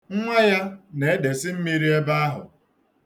Nnwa ya na-edesi mmiri ebe ahụ.